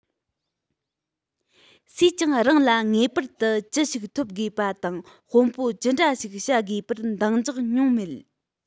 སུས ཀྱང རང ལ ངེས པར དུ ཅི ཞིག འཐོབ དགོས པ དང དཔོན པོ ཅི འདྲ ཞིག བྱ དགོས པར འདང རྒྱག མྱོང མེད